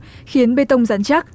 khiến bê tông rắn chắc